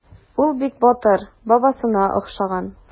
Ул бик батыр, бабасына охшаган.